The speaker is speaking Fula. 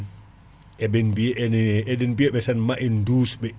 eɓen ene eɗen biyaɓe tan ma en dusɓe